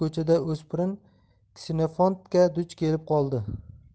o'spirin ksenofantga duch kelib qoldi